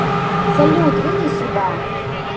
салют выйти отсюда